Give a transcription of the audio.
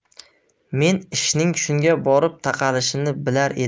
men ishning shunga borib taqalashini bilar edim